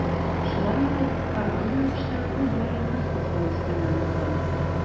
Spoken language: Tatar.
Шулай итеп, формаль рәвештә ул дворяннар сословиесеннән булган.